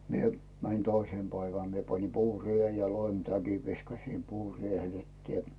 minä menin toisena päivänä minä panin puureen ja loimitäkin viskasin puureelle että